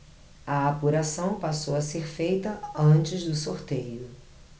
a apuração passou a ser feita antes do sorteio